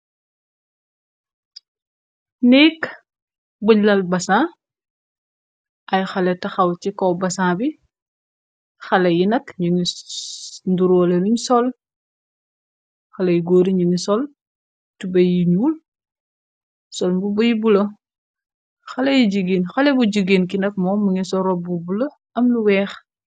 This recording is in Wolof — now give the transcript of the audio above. Nekk buñ lal basan ay xale taxaw ci kow basan bi xalé yi nak ñu ngi nduroole luñ sol xalé yi góori ñu ngi sol tube yi ñyul sol mbu buy bula xale bu jigeen ki nag moo mi ngi so rob bu bula am lu weex.